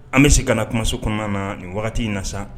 An bɛ se kana na kumaso kɔnɔna na nin wagati in na sa